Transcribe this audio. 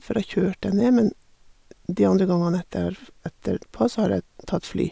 For jeg kjørte jeg ned, men de andre gangene etterf etterpå, så har jeg tatt fly.